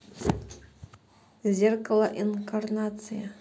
зеркала инкарнация